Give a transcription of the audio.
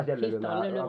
sitten toinen lyö